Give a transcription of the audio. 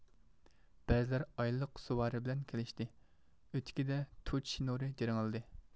بەزىلەر ئايلىق سۈۋارى بىلەن كېلشتى ئۆتۈكىدە تۇچ شىنۇرى جىرىڭلىدى